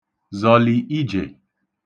zọ̀lì ijè